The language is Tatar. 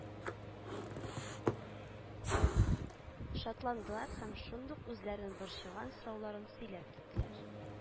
Шатландылар һәм шундук үзләрен борчыган сорауларын сөйләп киттеләр